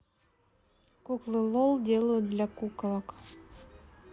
куклы лол делают для куколок